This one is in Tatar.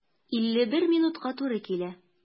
51 минутка туры килә.